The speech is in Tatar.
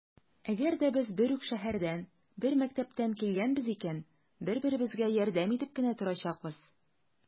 Әгәр дә без бер үк шәһәрдән, бер мәктәптән килгәнбез икән, бер-беребезгә ярдәм итеп кенә торачакбыз.